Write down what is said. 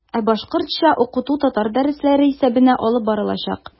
Ә башкортча укыту татар дәресләре исәбенә алып барылачак.